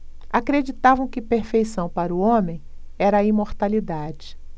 acreditavam que perfeição para o homem era a imortalidade